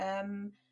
Yrm.